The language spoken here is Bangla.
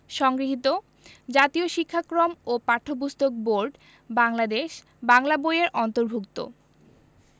সংগৃহীত জাতীয় শিক্ষাক্রম ও পাঠ্যপুস্তক বোর্ড বাংলাদেশ বাংলা বই এর অন্তর্ভুক্ত